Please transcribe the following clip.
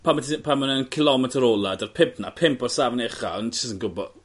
pan o' ti de- pan ma' n'w yn cilometr ola 'da'r pump 'na pump o'r safon ucha o'n i js yn gwbo